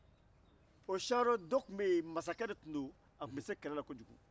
o saro dɔ tun bɛ ye masakɛ de tun don a tun bɛ se kɛlɛ la kojugu